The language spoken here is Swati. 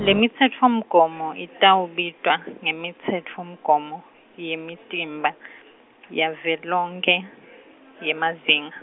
Lemitsetfomgomo itawubitwa, ngemitsetfomgomo, yemitimba , yavelonkhe yemazinga.